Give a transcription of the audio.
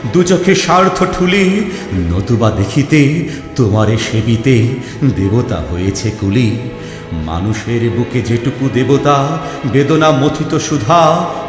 দুচোখে স্বার্থ ঠুলি নতুবা দেখিতে তোমারে সেবিতে দেবতা হয়েছে কুলি মানুষের বুকে যেটুকু দেবতা বেদনা মথিত সুধা